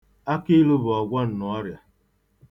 Akiilu bụ ọgwọnnọọrịa.